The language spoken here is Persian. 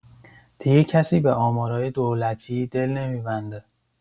دیگه کسی به آمارای دولتی دل نمی‌بنده.